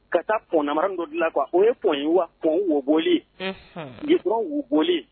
Ka taa fɔnɔra n dɔ dilan qu kuwa o ye f ye wa f wo bolilenuran' bolilen